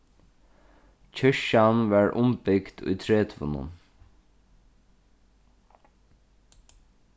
kirkjan var umbygd í tretivunum